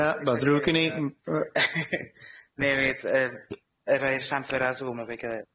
Na ma'n ddrwg gen i. 'Na i reis y shambyr a Zoom efo'i gilydd.